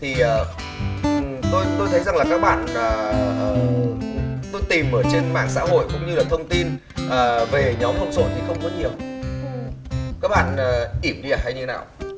thì à tôi tôi thấy rằng là các bạn à tôi tìm ở trên mạng xã hội cũng như là thông tin à về nhóm lộn xộn thì không có nhiều các bạn ỉm đi à hay như nào